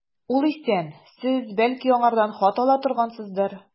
Ул исән, сез, бәлки, аңардан хат ала торгансыздыр.